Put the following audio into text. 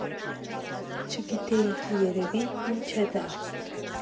Չգիտեին երևի՝ ի՞նչ է դա։